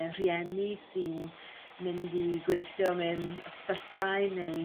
ee rhieni sy'n mynd i gweithio mewn ysbytai neu